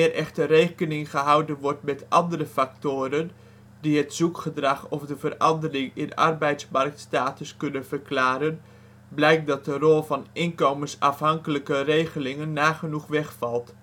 echter rekening gehouden wordt met andere factoren die het zoekgedrag of de verandering in arbeidsmarktstatus kunnen verklaren, blijkt dat de rol van de inkomensafhankelijke regelingen nagenoeg wegvalt